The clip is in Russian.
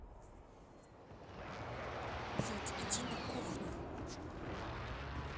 блядь иди на кухню